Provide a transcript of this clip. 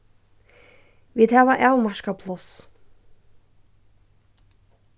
vit hava avmarkað pláss